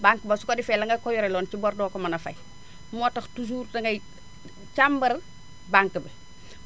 banque ba su ko defee la nga koy yoreloon ci bor doo ko mën fay moo tax toujours dangay càmbar banque bi